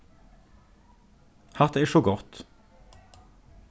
hatta er so gott